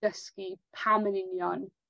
dysgu pam yn union